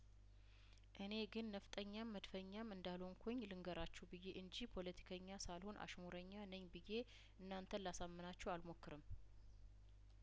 እኔ ግን ነፍጠኛም መድፈኛም እንዳልሆኩኝ ልንገራችሁ ብዬ እንጂ ፖለቲከኛ ሳልሆን አሽሙረኛ ነኝ ብዬ እናንተን ላሳምናችሁ አልሞክርም